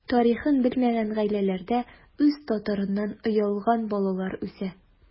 Тарихын белмәгән гаиләләрдә үз татарыннан оялган балалар үсә.